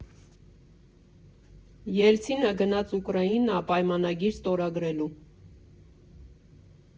Ելցինը գնաց Ուկրաինա՝ պայմանագիր ստորագրելու։